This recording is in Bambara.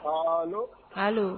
Balo kalo